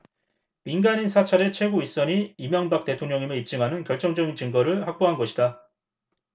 민간인 사찰의 최고 윗선이 이명박 대통령임을 입증하는 결정적인 증거를 확보한 것이다